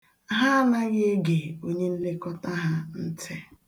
Ha anaghị ege onyenlekọta ha ntị